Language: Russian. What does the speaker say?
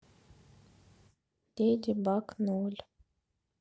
леди баг ноль